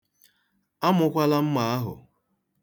Amụkwala mma ahụ.